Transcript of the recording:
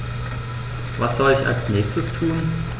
Was soll ich als Nächstes tun?